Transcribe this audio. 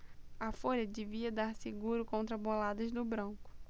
a folha devia dar seguro contra boladas do branco